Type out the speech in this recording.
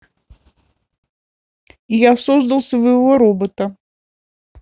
я создал своего робота